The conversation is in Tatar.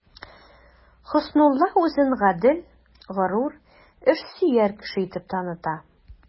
Хөснулла үзен гадел, горур, эшсөяр кеше итеп таныта.